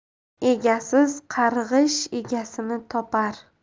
egasiz qarg'ish egasini topar